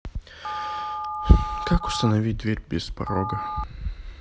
как установить дверь без порога